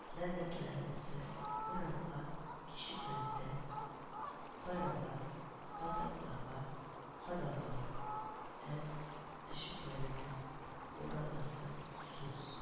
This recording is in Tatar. Ләззәтләнәсе урынга, кичекмәстән, корыган ботакларга кадаласың, эт эчәкләренә ураласың, сүз